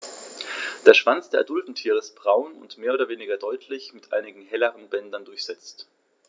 Der Schwanz der adulten Tiere ist braun und mehr oder weniger deutlich mit einigen helleren Bändern durchsetzt.